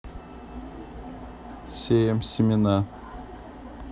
сеем семена